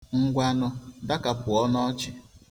Ngwanụ, dakapụọ n'ọchị!